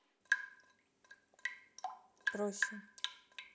проще